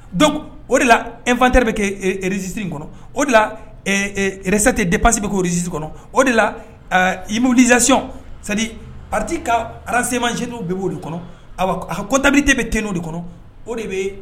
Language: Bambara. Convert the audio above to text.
Donc o de la inventeur be kɛ e registre in kɔnɔ o de la ɛɛ ɛ recette et dépense be k'o registre kɔnɔ o de la ɛɛ immobilisation c'est à dire parti kaa renseignements généraux w bɛ b'o de kɔnɔ ayiwa k a ka comptabilité bɛ kɛ n'o de kɔnɔ o de bee